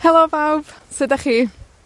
Helo bawb. Sud 'dach chi?